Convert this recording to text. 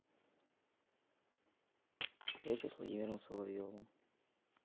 встреча с владимиром соловьевым